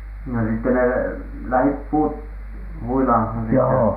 no sitten ne lähti puut huilaamaan -